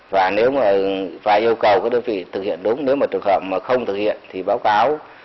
và nếu mà phải yêu cầu các đơn vị thực hiện đúng nếu mà trường hợp mà không thực hiện thì báo cáo